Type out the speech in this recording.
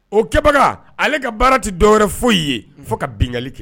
Okɛbaga ale ka baara tɛ dɔwɛrɛ foyi ye fo ka binkali kɛ